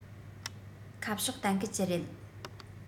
ཁ ཕྱོགས གཏན འཁེལ གྱི རེད